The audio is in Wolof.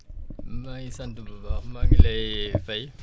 maa ngi sant bu baax maa ngi lay fay